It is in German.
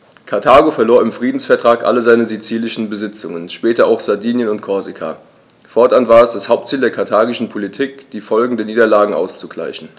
Karthago verlor im Friedensvertrag alle seine sizilischen Besitzungen (später auch Sardinien und Korsika); fortan war es das Hauptziel der karthagischen Politik, die Folgen dieser Niederlage auszugleichen.